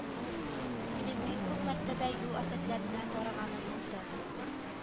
Минем бик күп мәртәбә юл афәтләренә тарыганым булды